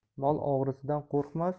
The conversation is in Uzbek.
mol o'g'risidan qo'rqma